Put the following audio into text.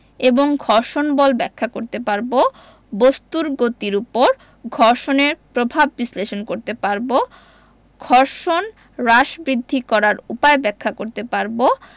এবং ঘর্ষণ বল ব্যাখ্যা করতে পারব বস্তুর গতির উপর ঘর্ষণের প্রভাব বিশ্লেষণ করতে পারব ঘর্ষণ হ্রাসবৃদ্ধি করার উপায় ব্যাখ্যা করতে পারব